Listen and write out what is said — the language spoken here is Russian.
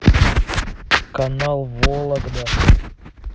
канал вологда